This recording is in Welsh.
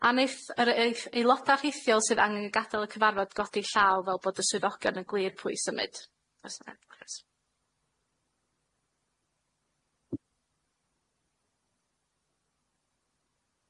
A neith yr eith aeloda rheithiol sydd angen gadel y cyfarfod godi llaw fel bod y swyddogion yn gwir pwy symud.